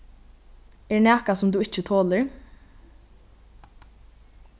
er nakað sum tú ikki tolir